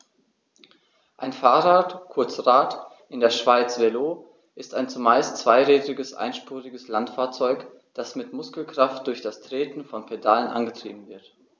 Ein Fahrrad, kurz Rad, in der Schweiz Velo, ist ein zumeist zweirädriges einspuriges Landfahrzeug, das mit Muskelkraft durch das Treten von Pedalen angetrieben wird.